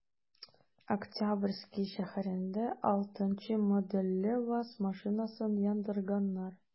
Октябрьский шәһәрендә 6 нчы модельле ваз машинасын яндырганнар.